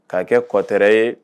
K'a kɛ kɔtɛ ye